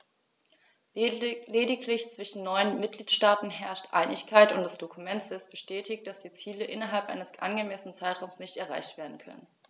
Lediglich zwischen neun Mitgliedsstaaten herrscht Einigkeit, und das Dokument selbst bestätigt, dass die Ziele innerhalb eines angemessenen Zeitraums nicht erreicht werden können.